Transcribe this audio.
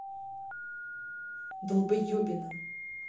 долбоебина